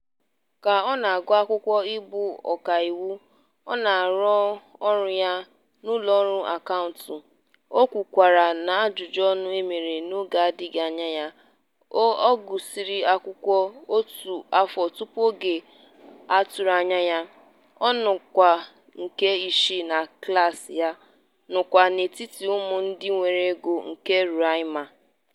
Ka ọ na-agụ akwụkwọ ị bụ ọkàiwu, ọ na-arụ ọrụ ya n'ụlọọrụ akaụntụ, o kwukwara n'ajụjụọnụ e mere n'oge n'adịbeghị anya, ọ gụsịrị akwụkwọ otu afọ tupu oge a tụrụ anya ya, ọ nọ n'ọkwá nke ise na klaasị ya, nakwa n'etiti ụmụ ndị nwere ego nke Roraima.